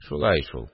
– шулай шул